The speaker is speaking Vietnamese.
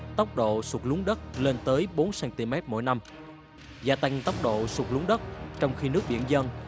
tốc độ sụt lún đất lên tới bốn xen ti mét mỗi năm gia tăng tốc độ sụt lún đất trong khi nước biển dâng